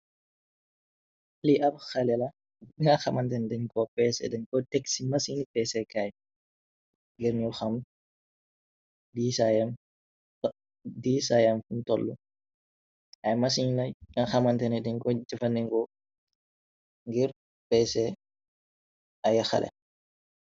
Li ab xale la bega xamantene deñ ko pese dañ ko tekk ci masinni peseh kaay ngir ñu xam disayam disayam fuñ tolu ay masin len bega xamantene dañ ko jëfandengo ngir peseh ay xale.